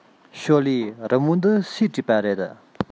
ཞོའོ ལིའི རི མོ འདི སུས བྲིས པ རེད